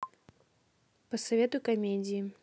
посоветуй комедии